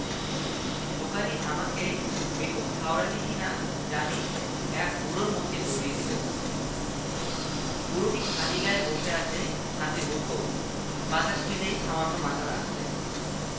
কিছুক্ষণের মধ্যেই অমািদের ঘিরে ছোটখাট একটা ভিড় জমে উঠল দৃশ্যটি অদ্ভুত চরিটি ছোট ছোট মেয়ে আইসক্রিম হাতে দাড়িয়ে আছে এবং একজন বয়স্ক লোক